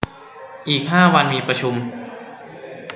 อีกห้าวันมีประชุม